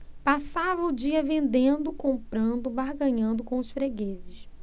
passava o dia vendendo comprando barganhando com os fregueses